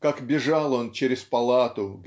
как бежал он через палату